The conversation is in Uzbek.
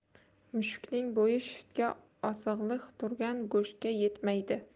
mushukning bo'yi shiftda osig'liq turgan go'shtga yetmaydi